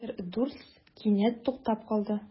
Мистер Дурсль кинәт туктап калды.